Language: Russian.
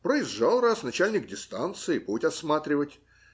Проезжал раз начальник дистанции путь осматривать.